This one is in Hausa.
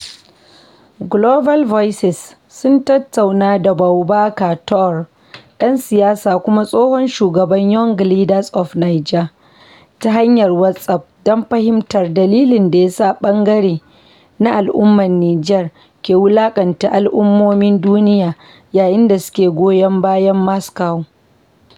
Global Voices sun tattauna da Boubacar Touré, ɗan siyasa kuma tsohon shugaban Young Leaders of Niger, ta hanyar WhatsApp don fahimtar dalilin da yasa wani ɓangare na al’ummar Nijar ke wulaƙanta al’ummomin duniya yayin da suke goyon bayan Moscow.